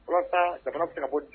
Walasasa jamana fana bɔ kojugu